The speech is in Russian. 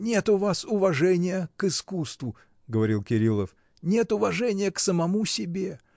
Нет у вас уважения к искусству, — говорил Кирилов, — нет уважения к самому себе.